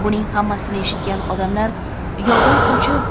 buning hammasini eshitgan odamlar yovdan qochib